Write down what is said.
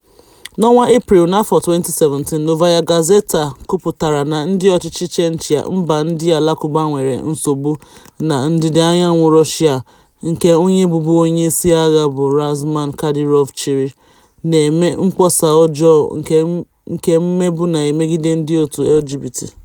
N'ọnwa Eprel n'afọ 2017, Novaya Gazeta Kwupụtara na ndị ọchịchị Chechnya, mba ndị Alakụba nwere nsogbu na ndịdaanyanwụ Russia nke onye bụbu onyeisi agha bụ́ Ramzan Kadyrov chịrị, na-eme mkpọsa ọjọọ nke mmegbu na-emegide ndị òtù LGBT.